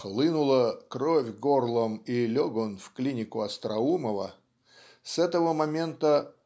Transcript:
хлынула кровь горлом, и лег он в клинику Остроумова, с этого момента.